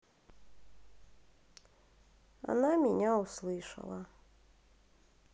она меня услышала